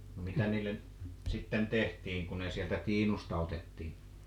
no mitä niille sitten tehtiin kun ne sieltä tiinusta otettiin